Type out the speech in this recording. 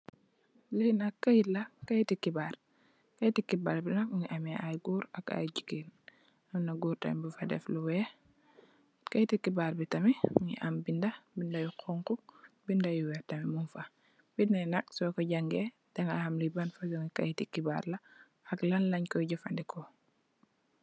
Lenak kaity hebarr la.kaity hebarr yi nak mu gi ameh gorr ak gegen si kaw amai nyu fa def lu weyh kaity hebarr tamit munge ameh binda yu weyh ak yu honhu binda nak suko jange di gaham li ban fason gi kaity hebarr la.